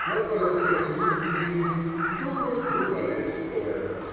в одной руке кнут длинный, в другой - труба берестовая